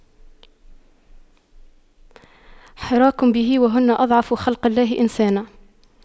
حراك به وهن أضعف خلق الله إنسانا